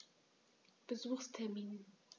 Besuchstermin